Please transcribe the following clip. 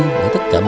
ở